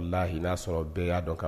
N'a y'i lasɔrɔ bɛɛ y'a dɔn kaban